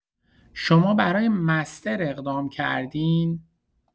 شما برای مستر اقدام کردین؟!